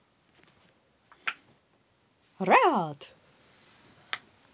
рад